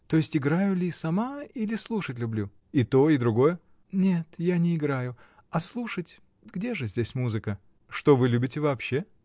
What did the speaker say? то есть играю ли сама или слушать люблю? — И то и другое. — Нет, я не играю, а слушать. Где же здесь музыка? — Что вы любите вообще?